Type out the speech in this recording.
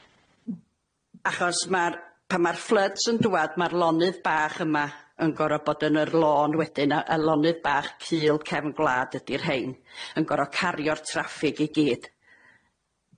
Achos ma'r pan ma'r floods yn dŵad ma'r lonydd bach yma yn gor'o' bod yn yr lôn wedyn a- a lonydd bach cul cefn gwlad ydi'r rhein yn gor'o' cario'r traffig i gyd.